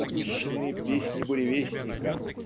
напыщенные песни буревестника